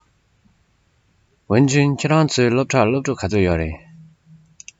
ཝུན ཅུན ཁྱོད རང ཚོའི སློབ གྲྭར སློབ ཕྲུག ག ཚོད ཡོད རེད